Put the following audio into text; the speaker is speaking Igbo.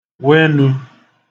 wenū